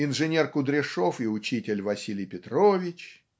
инженер Кудряшев и учитель Василий Петрович)